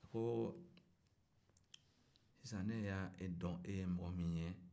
a ko sisan ne y'e dɔn e ye mɔgɔ min ye